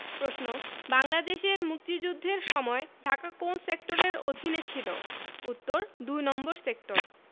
প্রশ্ন বাংলাদেশের মুক্তিযুদ্ধের সময় ঢাকা কোন সেক্টরের অধীনে ছিলো উত্তর দুই নম্বর সেক্টর